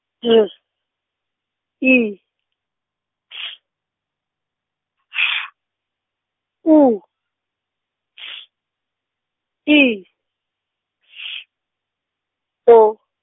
D I T H U T I S O.